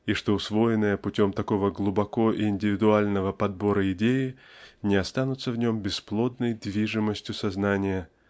и что усвоенные путем такого глубоко-индивидуального подбора идеи не останутся в нем бесплодной движимостью сознания